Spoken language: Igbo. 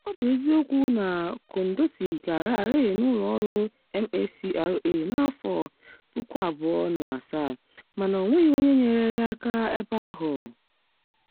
Ọ bụ eziokwu na Kondesi gararịị n'ụlọ ọrụ MACRA n'afọ 2007, mana onweghi onye nyeere ya aka ebe ahụ.